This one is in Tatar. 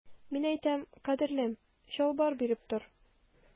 Мин әйтәм, кадерлем, чалбар биреп тор.